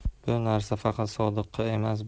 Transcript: bu narsa faqat sodiqqa emas